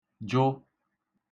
jụ